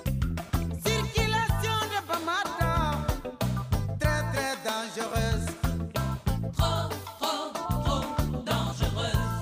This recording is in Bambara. Sigi ja batan nk tɛ tɛtan faama